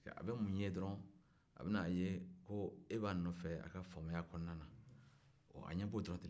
a bɛ mun ye dɔrɔn a bɛna ye ko e b'a nɔfɛ a ka famaya kɔnɔna na a ɲɛ b'o dɔrɔn de la